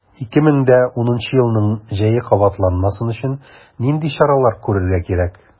2010 елның җәе кабатланмасын өчен нинди чаралар күрергә кирәк?